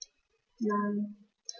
Nein.